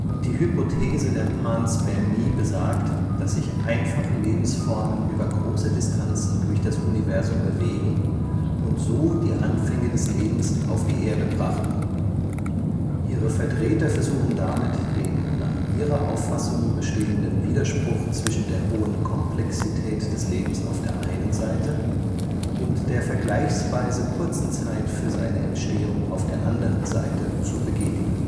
Die Hypothese der Panspermie [panspɛrˈmiː] (gr. πανσπερμία panspermía, von πάν pán „ alles “und σπέρμα spérma „ Samen “; dt. so viel wie „ All-Saat “) besagt, dass sich einfache Lebensformen über große Distanzen durch das Universum bewegen und so die Anfänge des Lebens auf die Erde brachten. Ihre Vertreter versuchen damit, dem nach ihrer Auffassung bestehenden Widerspruch zwischen der hohen Komplexität des Lebens auf der einen Seite und der vergleichsweise kurzen Zeit für seine Entstehung auf der anderen Seite zu begegnen